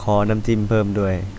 ขอน้ำจิ้มเพิ่มด้วย